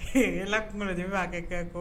Ee e kungolo dimi ba kɛ kɔ